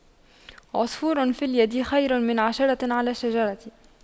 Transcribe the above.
عصفور في اليد خير من عشرة على الشجرة